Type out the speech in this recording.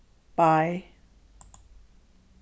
bei